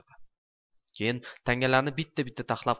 keyin tangalarni bitta bitta taxlab